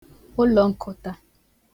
ụlọ̀nkụtā